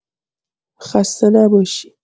خسته نباشی!